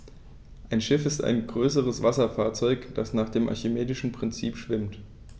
Ein Schiff ist ein größeres Wasserfahrzeug, das nach dem archimedischen Prinzip schwimmt.